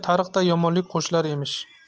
tariqday yomonlik qo'shilar emish